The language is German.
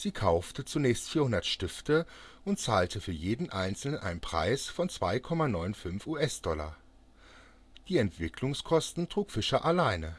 kaufte zunächst 400 Stifte und zahlte für jeden einzelnen einen Preis von 2,95 US-Dollar. Die Entwicklungskosten trug Fisher alleine